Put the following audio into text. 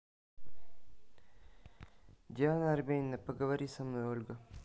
диана арбенина поговори со мной ольга